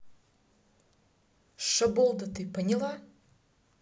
шаболда ты поняла